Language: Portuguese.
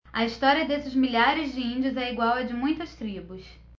a história desses milhares de índios é igual à de muitas tribos